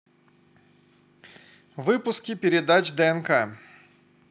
выпуски передач днк